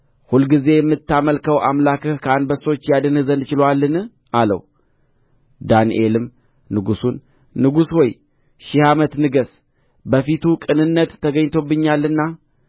ሁልጊዜ የምታመልከው አምላክህ ከአንበሶች ያድንህ ዘንድ ችሎአልን አለው ዳንኤልም ንጉሡን ንጉሥ ሆይ ሺህ ዓመት ንገሥ በፊቱ ቅንነት ተገኝቶብኛልና